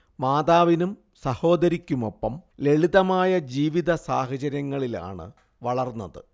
മാതാവിനും സഹോദരിക്കുമൊപ്പം ലളിതമായ ജീവിതസാഹചര്യങ്ങളിലാണ് വളർന്നത്